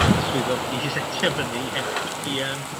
gath y swydd o- 'i setio fyny i i yym